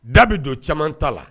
Da bɛ don caman t ta la